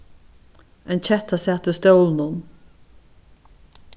ein ketta sat í stólinum